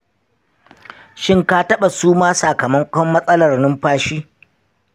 shin ka taɓa suma sakamakon matsalar numfashi?